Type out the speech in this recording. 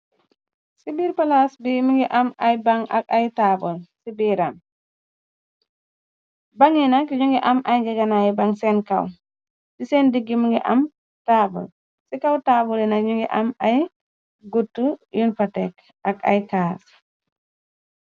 Si biir palaas bi mi ngi am ay baŋ ak ay taabal ci biiram, bang yi nak ñu ngi am ay jeganay yi bang seen kaw, ci seen diggi mi ngi am taabal, ci kaw taabali nak ñu ngi am ay gutt yun fa tekk, ak ay kaas.